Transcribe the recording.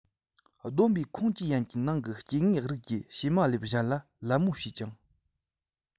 བསྡོམས པའི ཁོངས བཅུའི ཡན གྱི ནང གི སྐྱེ དངོས རིགས ཀྱིས ཕྱེ མ ལེབ གཞན ལ ལད མོ བྱེད ཅིང